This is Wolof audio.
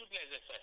kon loolu dafa